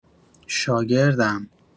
شاگردم